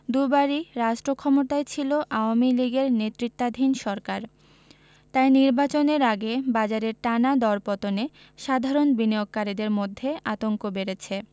দুবারই রাষ্ট্রক্ষমতায় ছিল আওয়ামী লীগের নেতৃত্বাধীন সরকার তাই নির্বাচনের আগে বাজারের টানা দরপতনে সাধারণ বিনিয়োগকারীদের মধ্যে আতঙ্ক বেড়েছে